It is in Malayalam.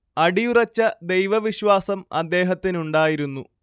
അടിയുറച്ച ദൈവവിശ്വാസം അദ്ദേഹത്തിനുണ്ടായിരുന്നു